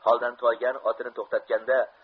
holdan toygan otini to'xtatganda